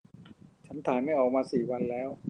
ฉันถ่ายไม่ออกมาสี่วันแล้ว